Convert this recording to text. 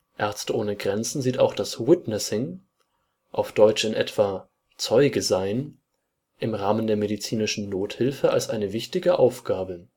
MSF sieht auch das Witnessing („ Zeuge sein “) im Rahmen der medizinischen Nothilfe als eine wichtige Aufgabe